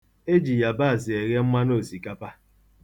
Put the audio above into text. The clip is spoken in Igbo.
E ji yabaasị eghe mmanụ osikapa.